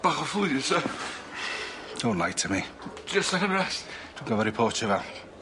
Bach o flees ia? Don't lie to me. Jyst angen rest. Dwi'n gorfod reportio fe.